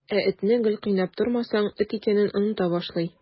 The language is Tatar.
Ә этне гел кыйнап тормасаң, эт икәнен оныта башлый.